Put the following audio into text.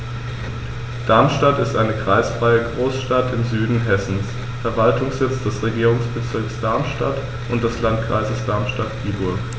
Darmstadt ist eine kreisfreie Großstadt im Süden Hessens, Verwaltungssitz des Regierungsbezirks Darmstadt und des Landkreises Darmstadt-Dieburg.